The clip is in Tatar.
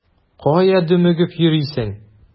Кая дөмегеп йөрисең?